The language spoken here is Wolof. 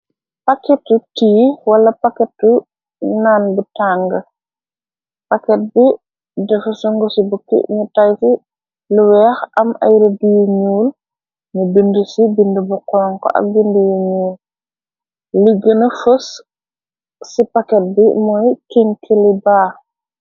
Paketu tii, wala pakketu naan bu tàng, pakket bi defe su ngu, ci bukki ni tayfi luweex, am ay rëbbi yi ñuul, nu bind ci bind bu xonko, ak bind yu ñuul, li gëna fës ci paket bi mooy kin kili baa.